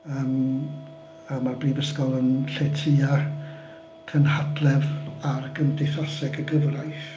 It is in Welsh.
Yym a ma'r Brifysgol yn lletya cynhadledd ar y gymdeithaseg y gyfraith.